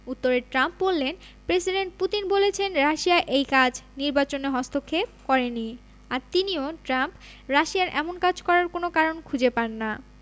উত্তরে ট্রাম্প বললেন president Putin বলেছেন রাশিয়া এই কাজ নির্বাচনে হস্তক্ষেপ করেনি আর তিনিও ট্রাম্প রাশিয়ার এমন কাজ করার কোনো কারণ খুঁজে পান না